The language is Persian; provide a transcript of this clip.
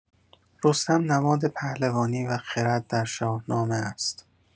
رستم نماد پهلوانی و خرد در شاهنامه است.